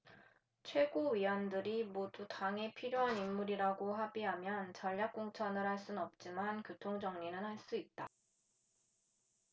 최고위원들이 모두 당에 필요한 인물이라고 합의하면 전략공천을 할 순 없지만 교통정리는 할 수 있다